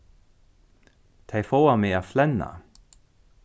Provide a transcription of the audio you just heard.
tey fáa meg at flenna